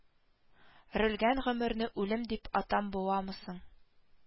Релгән гомерне үлем дип атап буламы соң